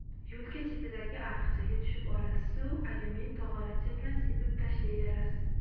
yo'lka chetidagi ariqchaga tushib olasizu alyumin tog'oracha bilan sepib tashlayverasiz